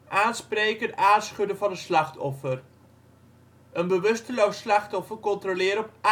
Aanspreken / aanschudden slachtoffer Een bewusteloos slachtoffer controleren op ademhaling